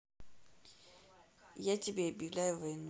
я тебе объявляю войну